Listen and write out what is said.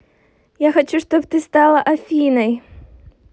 я хочу чтобы ты очень стала афиной